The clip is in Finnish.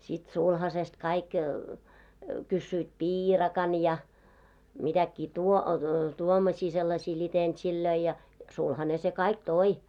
sitten sulhasesta kaikki kysyivät piirakan ja mitäkin - tuommoisia sellaisia litentsejä ja sulhanen se kaikki toi